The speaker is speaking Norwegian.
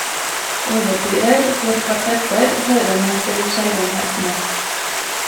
Ouverturer for kvartetter hører med til sjeldenhetene.